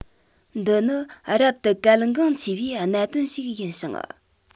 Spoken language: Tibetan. འདི ནི རབ ཏུ གལ འགངས ཆེ བའི གནད དོན ཞིག ཡིན ཞིང